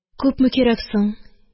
– күпме кирәк соң?